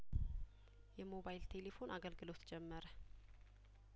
የሞባይል ቴሌፎን አገልግሎት ጀመረ